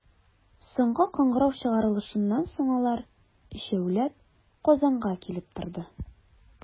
Соңгы кыңгырау чыгарылышыннан соң, алар, өчәүләп, Казанга килеп торды.